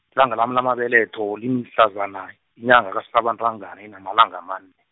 ilanga lami lamabeletho limhlazana, inyanga kaSihlabantangana inamalanga amane.